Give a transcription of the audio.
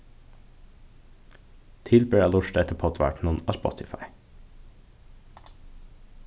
til ber at lurta eftir poddvarpinum á spotify